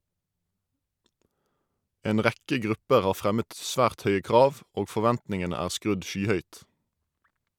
En rekke grupper har fremmet svært høye krav, og forventningene er skrudd skyhøyt.